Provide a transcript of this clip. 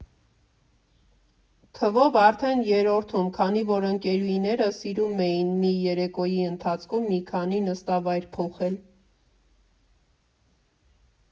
Թվով արդեն երրորդում, քանի որ ընկերուհիները սիրում էին մի երեկոյի ընթացքում մի քանի նստավայր փոխել։